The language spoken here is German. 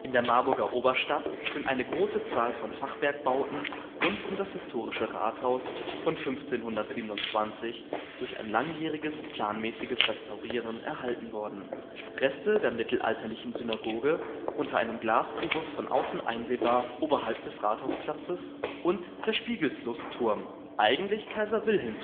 der Marburger Oberstadt sind eine große Zahl von Fachwerk-Bauten rund um das historische Rathaus von 1527 durch ein langjähriges planmäßiges Restaurieren erhalten worden. Reste der mittelalterlichen Synagoge unter einem Glaskubus von außen einsehbar (oberhalb des Rathausplatzes) Der Spiegelslustturm (eigentlich Kaiser-Wilhelm-Turm